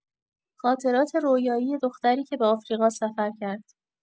خاطرات رویایی دختری که به آفریقا سفر کرد